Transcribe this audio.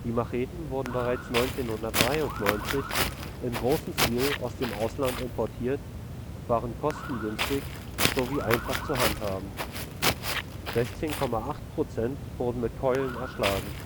Macheten wurden bereits 1993 in großem Stil aus dem Ausland importiert, waren kostengünstig sowie einfach zu handhaben. 16,8 Prozent wurden mit Keulen erschlagen